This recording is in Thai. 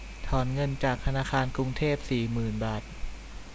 ถอนเงินจากธนาคารกรุงเทพสี่หมื่นบาท